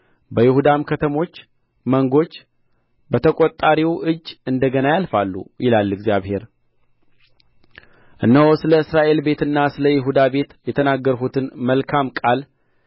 በይሁዳም ከተሞች መንጎቹ በተቈጣጣሪው እጅ እንደ ገና ያልፋሉ ይላል እግዚአብሔር እነሆ ስለ እስራኤል ቤትና ስለ ይሁዳ ቤት የተናገርሁትን መልካም ቃል